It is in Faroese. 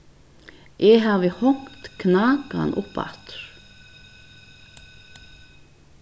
eg havi hongt knakan upp aftur